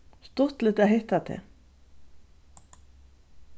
stuttligt at hitta teg